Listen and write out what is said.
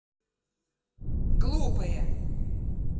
глупые